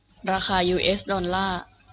ราคายูเอสดอลล่าร์